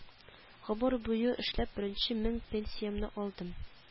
Гомер буе эшләп беренче мең пенсиямне алдым